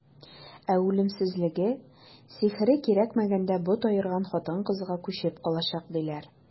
Ә үлемсезлеге, сихере кирәкмәгәндә бот аерган кыз-хатынга күчеп калачак, диләр.